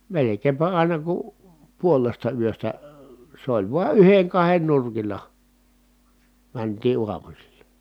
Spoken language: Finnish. melkeinpä aina kun puolesta yöstä se oli vain yhden kahden nurkilla mentiin aamusilla